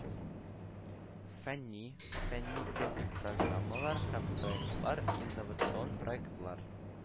Фәнни, фәнни-техник программалар һәм проектлар, инновацион проектлар